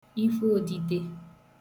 ikwodide